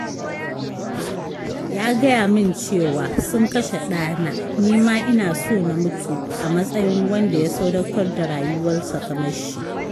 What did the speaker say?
Ya gaya min cewa: ''Sun kashe ɗana, ni ma ina so na mutu a matsayin wanda ya sadaukar da rayuwarsa kamar shi.